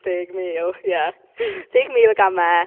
deg mil, ie. deg mil o gamau.